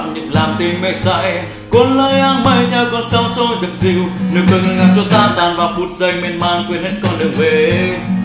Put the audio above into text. loạn nhịp làm tim mê say cuốn lấy áng mây theo cơn sóng xô dập dìu nụ cười ngọt ngào cho ta tan vào phút giây miên man quên hết con đường về eh